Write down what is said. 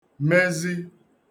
mezi